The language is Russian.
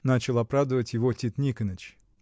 — начал оправдывать его Тит Никоныч.